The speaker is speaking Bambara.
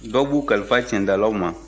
dɔw b'u kalifa cɛndalaw ma